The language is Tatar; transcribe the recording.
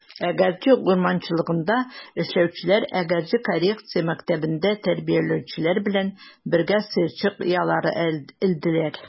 Әгерҗе урманчылыгында эшләүчеләр Әгерҗе коррекция мәктәбендә тәрбияләнүчеләр белән бергә сыерчык оялары элделәр.